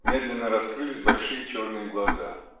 Медленно раскрылись большие черные глаза.